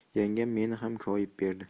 yangam meni ham koyib berdi